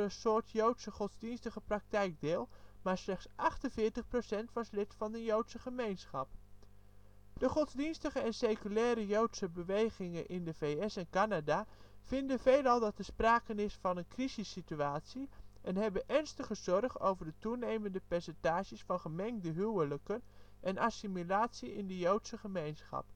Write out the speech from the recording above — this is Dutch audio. soort joodse godsdienstige praktijk deel, maar slechts 48 % was lid van een joodse gemeenschap. De godsdienstige en seculaire joodse bewegingen in de V.S. en Canada vinden veelal dat er sprake is van een crisissituatie en hebben ernstige zorg over de toenemende percentages van gemengde huwelijken en assimilatie in de joodse gemeenschap